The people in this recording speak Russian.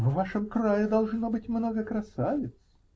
-- В вашем крае, должно быть, много красавиц?